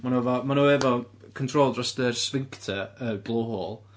Maen nhw efo maen nhw efo control dros y sphincter y blowhole.